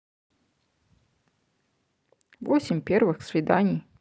восемь первых свиданий